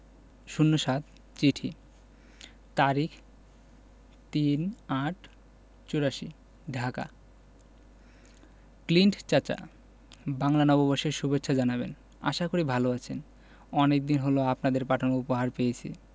০৭ চিঠি তারিখ ৩-৮-৮৪ ঢাকা ক্লিন্ট চাচা বাংলা নববর্ষের সুভেচ্ছা জানাবেন আশা করি ভালো আছেন অনেকদিন হল আপনাদের পাঠানো উপহার পেয়েছি